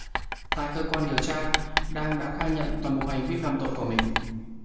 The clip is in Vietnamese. tại cơ quan điều tra đang đã khai nhận toàn bộ hành vi phạm tội của mình